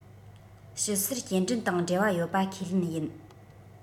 དཔྱིད གསར སྐྱེལ འདྲེན དང འབྲེལ བ ཡོད པ ཁས ལེན ཡིན